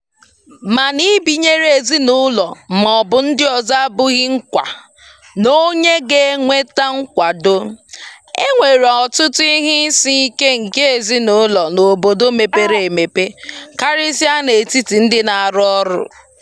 Mana ibinyere ezinụlọ maọbụ ndị ọzọ abụghị nkwa na onye ga na-enweta nkwado. E nwere ọtụtụ ihe isiike nke ezinụlọ n'obodo mepere emepe, karịsịa n'etiti ndị na-arụ ọrụ.